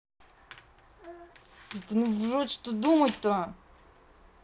ебаный в рот что думать то